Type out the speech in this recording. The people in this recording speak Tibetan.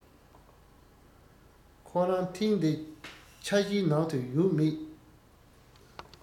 ཁོ རང ཐེང འདི ཆ གཞིའི ནང དུ ཡོང མེད